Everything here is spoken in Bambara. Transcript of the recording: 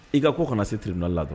I ka ko kana se tribunal la dɔr